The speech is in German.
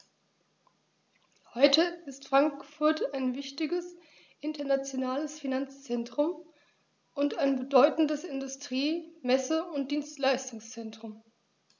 Heute ist Frankfurt ein wichtiges, internationales Finanzzentrum und ein bedeutendes Industrie-, Messe- und Dienstleistungszentrum.